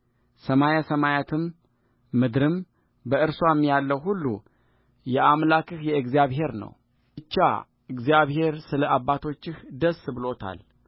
ሰማይ ሰማየ ሰማያትም ምድርም በእርስዋም ያለው ሁሉ የአምላክህ የእግዚአብሔር ነው ብቻ እግዚአብሔር ስለ አባቶችህ ደስ ብሎታል